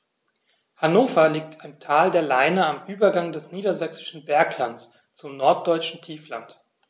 Hannover liegt im Tal der Leine am Übergang des Niedersächsischen Berglands zum Norddeutschen Tiefland.